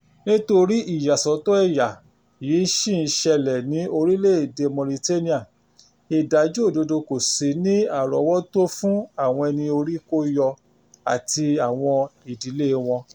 Nítorí ìyàsọ́tọ̀ ẹ̀yà yìí ṣì ń ṣẹlẹ̀ ní orílẹ̀-èdè Mauritania, ìdájọ́ òdodo kò sí ní àrọ́wọ́tó fún àwọn ẹni orí-kó-yọ àti àwọn ìdílé wọn.